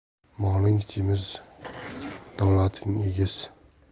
moling semiz davlating egiz